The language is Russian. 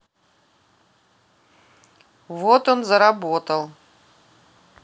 вот он заработал